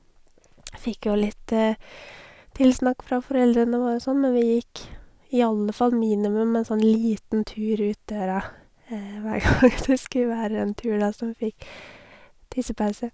Fikk jo litt tilsnakk fra foreldrene våre og sånn, men vi gikk i alle fall minimum en sånn liten tur ut døra hver gang det skulle være en tur da, så hun fikk tissepause.